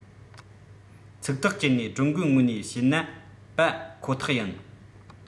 ཚིག ཐག བཅད ནས ཀྲུང གོའི ངོས ནས བཤད ན པ ཁོ ཐག ཡིན